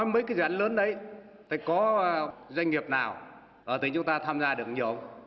mấy cái dự án lớn đấy phải có doanh nghiệp nào ở tỉnh chúng ta tham gia được nhiều